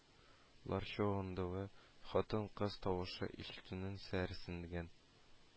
Лар чуагында хатын-кыз тавышы ишетүнең сәерсенгән